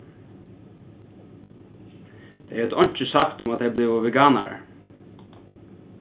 tey høvdu einki sagt um at tey vóru blivin veganarar